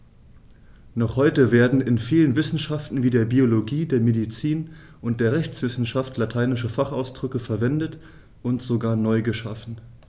Noch heute werden in vielen Wissenschaften wie der Biologie, der Medizin und der Rechtswissenschaft lateinische Fachausdrücke verwendet und sogar neu geschaffen.